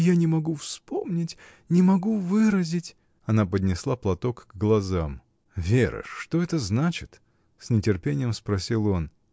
Я не могу вспомнить, не могу выразить. Она поднесла платок к глазам. — Вера, что это значит? — с нетерпением спросил он.